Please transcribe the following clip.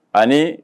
Ayi